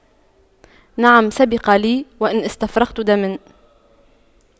نعم سبق لي وأن استفرغت دما